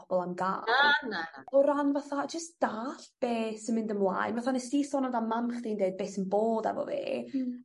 pobol yn ga'l. Na na. O ran fatha jyst dallt be' sy'n myn' ymlaen matha nest di sôn amdan mam chdi'n deud be' sy'n bod efo fi. Hmm.